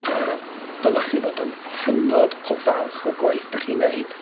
A, dyla chi fod yn hynod o falch o'r gwaith dach chi'n neud.